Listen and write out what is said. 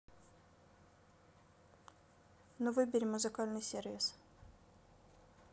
ну выбери музыкальный сервис